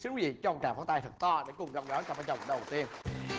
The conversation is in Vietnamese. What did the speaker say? xin quý vị cho một tràng pháo tay thật to để cùng gặp gỡ cặp vợ chồng đầu tiên